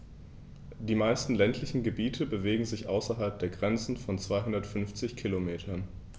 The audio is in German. Die meisten ländlichen Gebiete bewegen sich außerhalb der Grenze von 250 Kilometern.